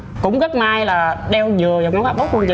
cũng rất may là đeo vừa vào ngón áp út luôn chị